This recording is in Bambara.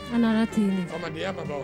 Ala tun badenya ma